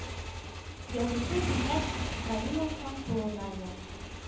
Язучы зиннәт галимовның тууына ел